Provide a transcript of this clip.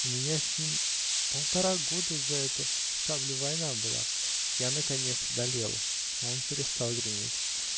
У меня с ним полтора года за эту саблю война была. Я наконец одолел. Он перестал греметь.